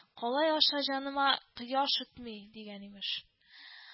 «калай аша җаныма кояш үтми»,—дигән, имеш